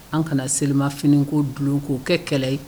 An kana selimaf ko du'o kɛ kɛlɛ ye